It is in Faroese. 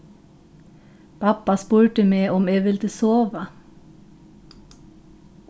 babba spurdi meg um eg vildi sova